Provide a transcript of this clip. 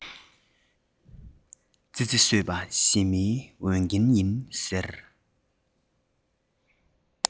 ཙི ཙི གསོད པ ཞི མིའི འོས འགན ཡིན ཟེར